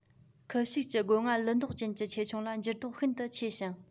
ཁུ བྱུག གི སྒོ ང ལི མདོག ཅན གྱི ཆེ ཆུང ལ འགྱུར ལྡོག ཤིན ཏུ ཆེ ཞིང